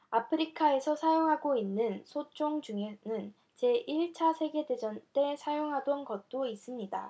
아프리카에서 사용하고 있는 소총 중에는 제 일 차 세계 대전 때 사용하던 것도 있습니다